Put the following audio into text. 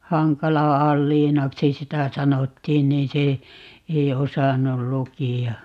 Hankalan Aliinaksi sitä sanottiin niin se ei osannut lukea